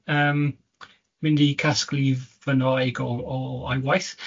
yym, mynd i casglu fyn 'raig o o ei waith.